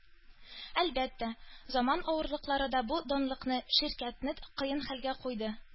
Әлбәттә, заман авырлыклары да бу данлыклы ширкәтне кыен хәлгә куйды.